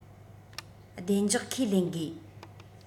བདེ འཇགས ཁས ལེན དགོས